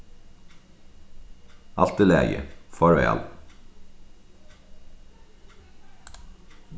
alt í lagi farvæl